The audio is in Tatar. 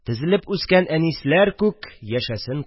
Тезелеп үскән әнисләр күк, Яшәсен